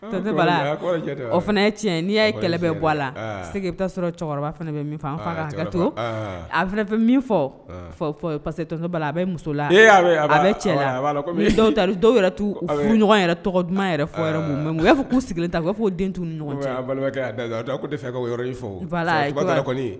Fana tiɲɛ n'i ye kɛlɛ bɔ a la i bɛ taa sɔrɔ cɛkɔrɔba fana bɛ min fɔ an to a min fɔ pa a bɛ muso la ta dɔw furu ɲɔgɔn duman'a fɔ' sigilen ta' fɔ' den ni ɲɔgɔn cɛ